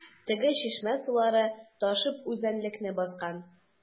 Теге чишмә сулары ташып үзәнлекне баскан.